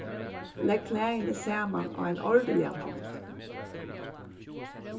legg klæðini saman á ein ordiligan hátt